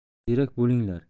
ziyrak bo'linglar